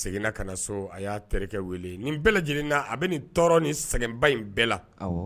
Seginna y'a bɛɛ lajɛlen a bɛ nin tɔɔrɔ ni sɛgɛnba in bɛɛ la